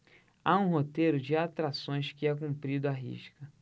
há um roteiro de atrações que é cumprido à risca